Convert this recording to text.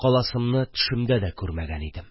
Каласымны төшемдә дә күрмәгән идем